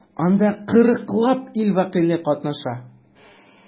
Анда 40 лап ил вәкиле катнаша.